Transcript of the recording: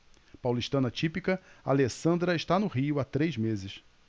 paulistana típica alessandra está no rio há três meses